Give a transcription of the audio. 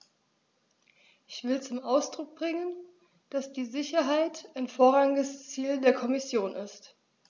Ich will zum Ausdruck bringen, dass die Sicherheit ein vorrangiges Ziel der Kommission ist.